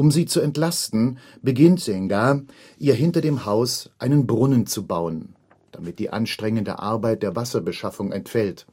sie zu entlasten, beginnt Sen'ge, ihr hinter dem Haus einen Brunnen zu bauen, damit die anstrengende Arbeit der Wasserbeschaffung entfällt